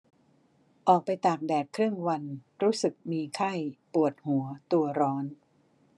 ออกไปตากแดดครึ่งวันรู้สึกมีไข้ปวดหัวตัวร้อน